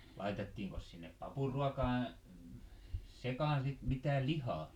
laitettiinkos sinne papuruokaan sekaan sitten mitään lihaa